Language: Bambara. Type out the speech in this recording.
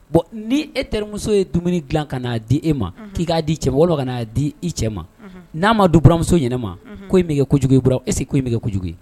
Bon ni e terimuso ye dumuni dilan ka n'a di e ma k'i k'a di cɛ wolo ka'a di i cɛ ma n'a ma du buramuso ɲɛna ma ko bɛ kɛ jugu i ese ko i m bɛ kɛ